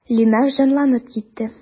Линар җанланып китте.